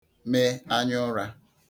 me anyaụrā